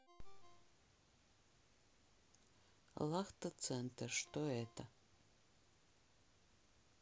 лахта центр что это